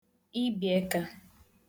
ịbị̀ekā